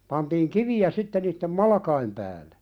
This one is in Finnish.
pantiin kiviä sitten niiden malkojen päälle